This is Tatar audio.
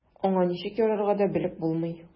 Аңа ничек ярарга да белеп булмый.